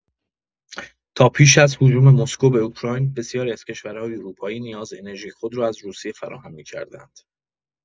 تا پیش از هجوم مسکو به اوکراین، بسیاری از کشورهای اروپایی نیاز انرژی خود را از روسیه فراهم می‌کردند.